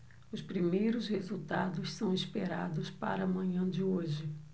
os primeiros resultados são esperados para a manhã de hoje